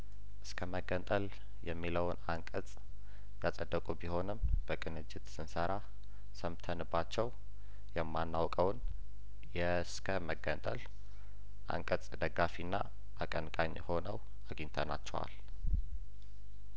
እስከመገንጠል የሚለውን አንቀጽ ያጸደቁ ቢሆንም በቅንጅት ስንሰራ ሰምተንባቸው የማናውቀውን የእስከመገንጠል አንቀጽ ደጋፊና አቀንቃኝ ሆነው አግኝተናቸዋል